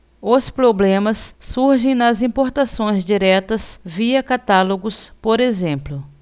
os problemas surgem nas importações diretas via catálogos por exemplo